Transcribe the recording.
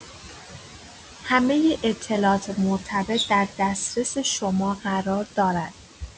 همه اطلاعات مرتبط در دسترس شما قرار دارد.